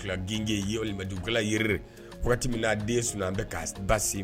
Tila gin yeli makalay wagati min'a den sun bɛ k'a ba sen